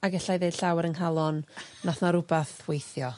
A gellai ddeud llaw ar yng nghalon... ...nath 'na rwbath weithio.